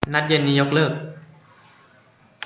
นัดเย็นนี้ยกเลิก